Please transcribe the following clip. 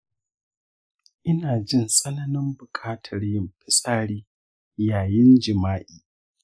ina jin tsananin buƙatar yin fitsari yayin jima’i.